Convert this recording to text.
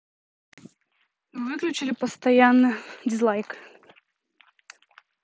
выключили постоянно дизлайк